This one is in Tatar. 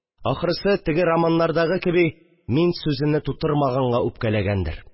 Ахрысы, теге романнардагы кеби, мин сүзене тутырмаганга үпкәләгәндер